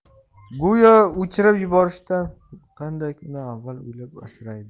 go'yo uchirib yuborishdan qo'rqqandek uni avaylab asraydi